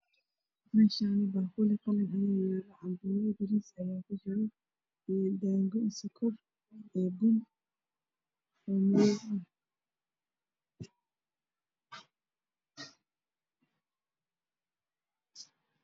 Meshani baquli qalin ah ayaa yalo cambulo baris ayaa ku juro iyo dango bun iyo sokor